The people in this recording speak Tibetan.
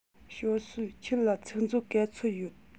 ཞའོ སུའུ ཁྱོད ལ ཚིག མཛོད ག ཚོད ཡོད